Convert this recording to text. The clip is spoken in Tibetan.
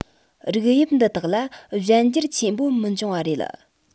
རིགས དབྱིབས འདི དག ལ གཞན འགྱུར ཆེན པོ མི འབྱུང བ རེད